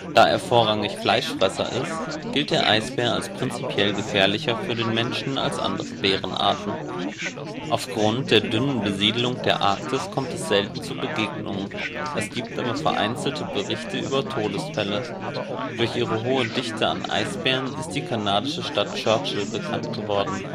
Da er vorrangig Fleischfresser ist, gilt der Eisbär als prinzipiell gefährlicher für den Menschen als andere Bärenarten. Aufgrund der dünnen Besiedlung der Arktis kommt es selten zu Begegnungen, es gibt aber vereinzelte Berichte über Todesfälle. Durch ihre hohe Dichte an Eisbären ist die kanadische Stadt Churchill bekannt geworden